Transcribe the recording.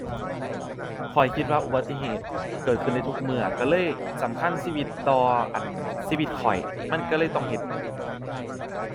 ข้อยคิดว่าอุบัติเหตุเกิดขึ้นได้ทุกเมื่อ ก็เลยสำคัญชีวิตต่อ อั่น ชีวิตข้อยมันก็เลยต้องเฮ็ด